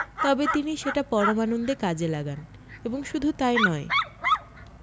তবে তিনি সেটা পরমানন্দে কাজে লাগান এবং শুধু তাই নয়